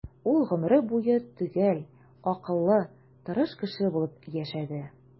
Ул гомере буе төгәл, акыллы, тырыш кеше булып яшәде.